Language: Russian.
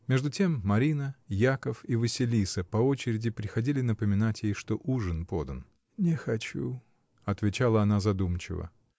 Между тем Марина, Яков и Василиса по очереди приходили напоминать ей, что ужин подан. — Не хочу! — отвечала она задумчиво.